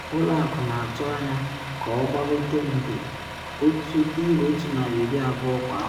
Ụlọ Akụ na atụ anya ka ọ gbagote nde £120 kwa afọ.